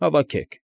Հավաքեք։